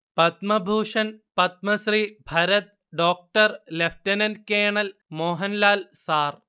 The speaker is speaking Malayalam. Padma Bhushan Padmashri Bharat doctor lieutenant colonel Mohanlal sir